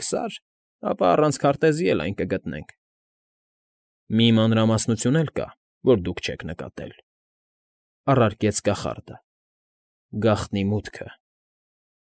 Ենք Սար, ապա առանց քարտեզի էլ այն կգտնենք։ ֊ Մի մանրամասնություն էլ կա, որ դուք չեք նկատել,֊ առարկեց կախարդը,֊ գաղտնի մուտքը։